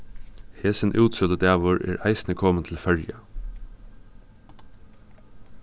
hesin útsøludagur er eisini komin til føroya